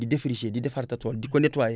di défricher di defar sa tool di ko nettoyer pour mu